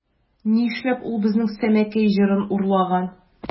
Нишләп ул безнең Сәмәкәй җырын урлаган?